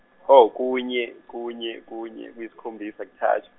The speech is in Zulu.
oh kunye kunye kunye kuyisikhombisa kuthathu.